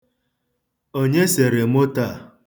Onye sere moto a?